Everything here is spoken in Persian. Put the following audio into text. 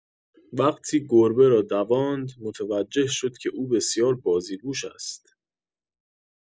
وقتی گربه را دواند، متوجه شد که او بسیار بازیگوش است.